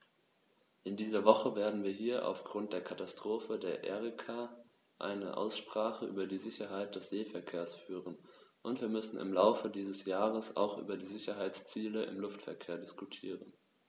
In dieser Woche werden wir hier aufgrund der Katastrophe der Erika eine Aussprache über die Sicherheit des Seeverkehrs führen, und wir müssen im Laufe dieses Jahres auch über die Sicherheitsziele im Luftverkehr diskutieren.